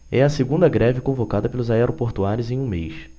é a segunda greve convocada pelos aeroportuários em um mês